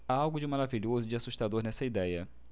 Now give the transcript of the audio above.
há algo de maravilhoso e de assustador nessa idéia